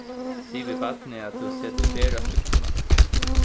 sig við barnið at tú setur ferð á súkkluna